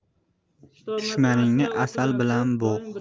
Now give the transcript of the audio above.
dushmaningni asal bilan bo'g'